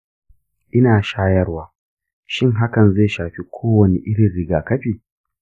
ina shayarwa; shin hakan zai shafi kowane irin rigakafi?